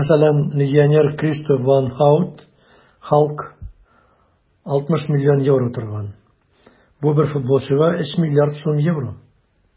Мәсәлән, легионер Кристоф ван Һаут (Халк) 60 млн евро торган - бу бер футболчыга 3 млрд сум евро!